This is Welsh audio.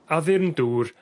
addurn dŵr